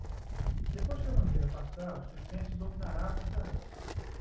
depois que a mangueira passar o suspense dominará a passarela